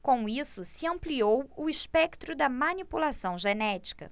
com isso se ampliou o espectro da manipulação genética